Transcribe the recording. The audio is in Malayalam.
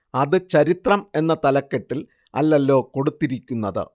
അത് ചരിത്രം എന്ന തലക്കെട്ടില് അല്ലല്ലോ കൊടുത്തിരിക്കുന്നത്